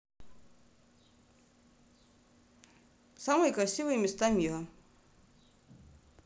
самые красивые места мира